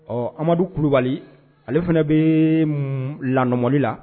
Ɔ amadu kulubali ale fana bɛ lamoli la